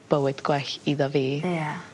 bywyd gwell idda fi. Ie.